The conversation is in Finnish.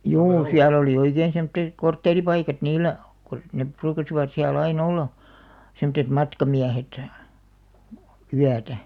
juu siellä oli oikein semmoisia kortteeripaikkoja niillä kun ne ruukasivat siellä aina olla semmoiset matkamiehet yötä